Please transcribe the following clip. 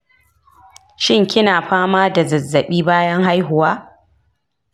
shin kina fama da zazzabi bayan haihuwa?